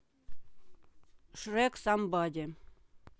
шрек самбади